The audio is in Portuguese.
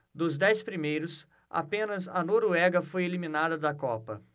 dos dez primeiros apenas a noruega foi eliminada da copa